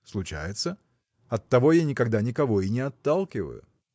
– Случается; оттого я никогда никого и не отталкиваю.